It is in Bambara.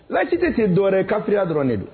Laïcité tɛ dɔwɛrɛ ye kafiriya dɔrɔn de don